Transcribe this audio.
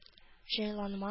Җайланма